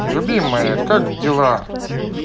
любимая как дела